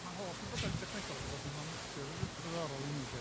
Mae'r holl wybodaeth technegol 'na 'di bod yn ofnadwy o ddidd- ddiddorol i mi de,